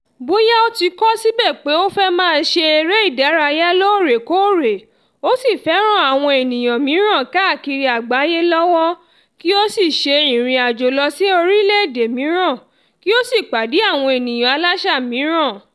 Bóyá o ti kọ síbẹ̀ pé o fẹ́ máa ṣe eré ìdárayá lóòrèkóòrè, o sì fẹ́ ran àwọn ènìyàn mìíràn káàkiri àgbáyé lọ́wọ́, kí o sì ṣe ìrìn àjò lọ sí orílẹ̀ èdè mìíràn, kí o sì pàdé àwọn ènìyàn Aláṣà mìíràn.